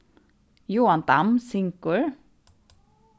joan dam syngur